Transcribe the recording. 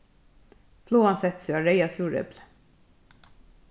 flugan setti seg á reyða súreplið